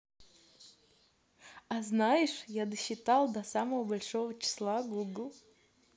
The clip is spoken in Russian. а знаешь я досчитала до самого большого числа google